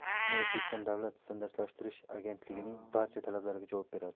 qurilma o'zbekiston davlat standartlashtirish agentligining barcha talablariga javob beradi